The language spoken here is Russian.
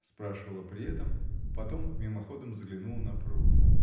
— спрашивала при этом, потом мимоходом заглянула на пруд.